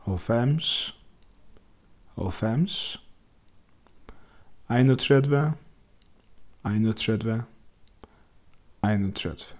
hálvfems hálvfems einogtretivu einogtretivu einogtretivu